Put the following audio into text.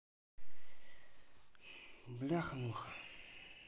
бляха муха